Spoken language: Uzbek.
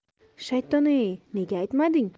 shaytoney nega aytmading